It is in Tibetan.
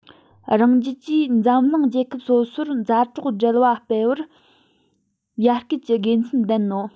རང རྒྱལ གྱིས འཛམ གླིང རྒྱལ ཁབ སོ སོར མཛའ གྲོགས འབྲེལ བ སྤེལ བར ཡར སྐུལ གྱི དགེ མཚན ལྡན ནོ